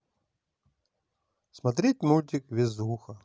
смотреть мультик везуха